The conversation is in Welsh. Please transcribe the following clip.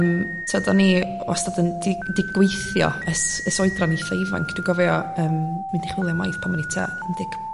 yym t'od oni wastad yn di- di gweithio es... es oedran eitha ifanc dwi'n gofio yym mynd i chwilio waith pan oni t'a un deg